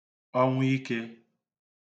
ọnwụ ikē